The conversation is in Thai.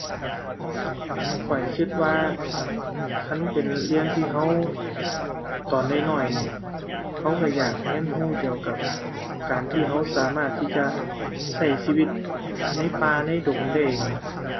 ข้อยคิดว่าคันเป็นเรื่องที่เรา ตอนน้อยน้อยนี่เราเราอยากเราเราเกี่ยวกับการที่เราสามารถที่จะเราชีวิตในป่าในดงได้นั่นล่ะ